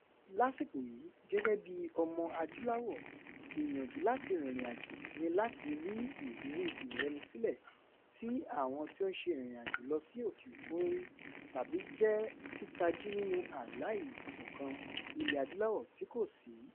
Lásìkò yìí, gẹ́gẹ́ bíi Ọmọ-adúláwọ̀, ìyànjú láti rìnrìnàjò ni láti ní ìrírí ìrẹnisílẹ̀ tí àwọn tí ó ń se ìrìnàjò lọ sí òkè-òkun ń rí — tàbí jẹ́ títají nínú àlà ìsọ̀kan Ilẹ̀-adúláwọ̀ tí kò sí.